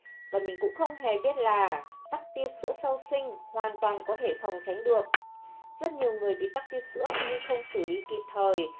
và mình cũng không hề biết là tắc tia sữa sau sinh hoàn toàn có thể phòng tránh được rất nhiều người bị tắc tia sữa nhưng không xử lý kịp thời